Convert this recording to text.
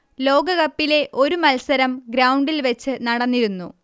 ലോകകപ്പിലെ ഒരു മത്സരം ഗ്രൗണ്ടിൽ വെച്ച് നടന്നിരുന്നു